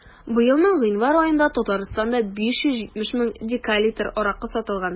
Быелның гыйнвар аенда Татарстанда 570 мең декалитр аракы сатылган.